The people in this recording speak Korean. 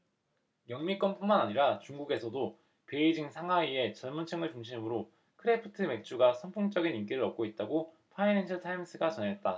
영미권뿐만 아니라 중국에서도 베이징 상하이의 젊은층을 중심으로 크래프트 맥주가 선풍적인 인기를 얻고 있다고 파이낸셜타임스가 전했다